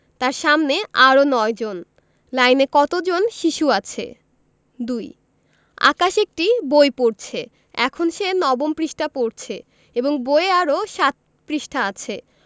তার সামনে আরও ৯ জন লাইনে কত জন শিশু আছে ২ আকাশ একটি বই পড়ছে এখন সে নবম পৃষ্ঠা পড়ছে এবং বইয়ে আরও ৭ পৃষ্ঠা আছে